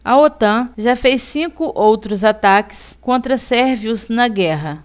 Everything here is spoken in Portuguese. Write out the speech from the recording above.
a otan já fez cinco outros ataques contra sérvios na guerra